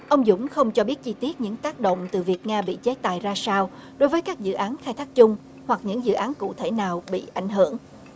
ông dũng không cho biết chi tiết những tác động từ việc nga bị chế tài ra sao đối với các dự án khai thác chung hoặc những dự án cụ thể nào bị ảnh hưởng